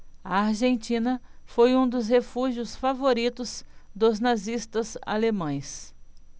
a argentina foi um dos refúgios favoritos dos nazistas alemães